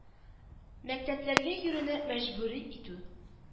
Мәктәпләргә йөрүне мәҗбүри итү